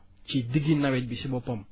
ci digg nawet bi si boppam